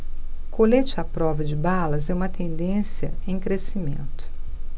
colete à prova de balas é uma tendência em crescimento